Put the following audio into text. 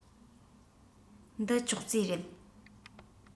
འདི ཅོག ཙེ རེད